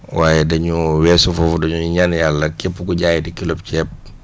waaye dañoo weesu foofu dañuy ñaan yàlla képp ku jaayati kilo ceeb